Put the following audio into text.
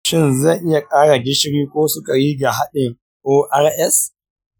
shin zan iya ƙara gishiri ko sukari ga haɗin ors?